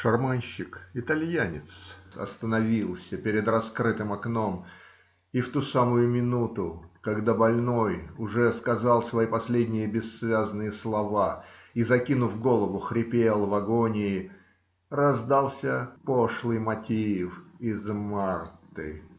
шарманщик-итальянец остановился перед раскрытым окном, и в ту самую минуту, когда больной уже сказал свои последние бессвязные слова и, закинув голову, хрипел в агонии, раздался пошлый мотив из "Марты"